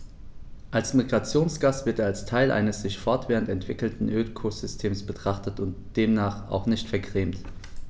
Als Migrationsgast wird er als Teil eines sich fortwährend entwickelnden Ökosystems betrachtet und demnach auch nicht vergrämt.